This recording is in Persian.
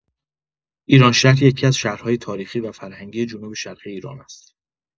ایرانشهر یکی‌از شهرهای تاریخی و فرهنگی جنوب‌شرقی ایران است.